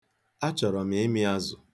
Anyị chọrọ ịmị azụ.